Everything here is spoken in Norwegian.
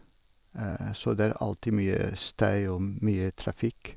Så det er alltid mye støy og m mye trafikk.